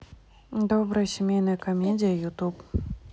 добрая семейная комедия ютуб